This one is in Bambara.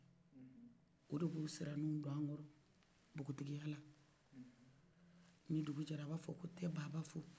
o de b'o siraniu don anw kɔrɔ bogotiogiyala ni dugujɛla a b'a fɔ ko t'a baba fo